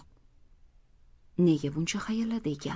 nega buncha hayalladi ekan